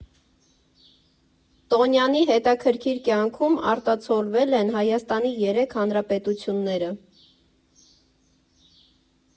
Տոնյանի հետաքրքիր կյանքում արտացոլվել են Հայաստանի երեք հանրապետությունները։